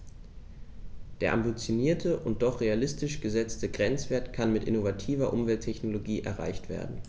Der ambitionierte und doch realistisch gesetzte Grenzwert kann mit innovativer Umwelttechnologie erreicht werden.